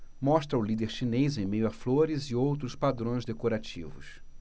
mostra o líder chinês em meio a flores e outros padrões decorativos